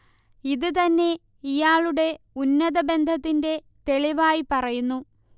ഇത് തന്നെ ഇയാളുടെ ഉന്നത ബന്ധത്തിന്റെ തെളിവായി പറയുന്നു